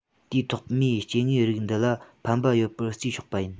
དུས ཐོག མའི སྐྱེ དངོས རིགས འདི ལ ཕན པ ཡོད པར བརྩིས ཆོག པ ཡིན